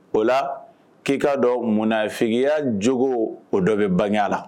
O la k'i k'a dɔn munafigiya jogo o dɔ bɛ bange a la